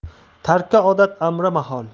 tarki odat amri mahol